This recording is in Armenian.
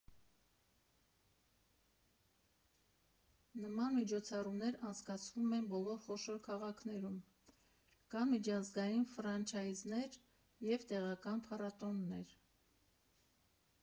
Նման միջոցառումներ անցկացվում են բոլոր խոշոր քաղաքներում, կան միջազգային ֆրանչայզներ և տեղական փառատոներ։